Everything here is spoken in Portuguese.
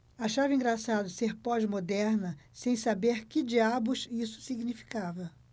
achava engraçado ser pós-moderna sem saber que diabos isso significava